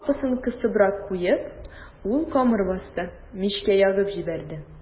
Лампасын кысыбрак куеп, ул камыр басты, мичкә ягып җибәрде.